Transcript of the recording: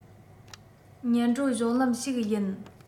མྱུར བགྲོད གཞུང ལམ ཞིག ཡིན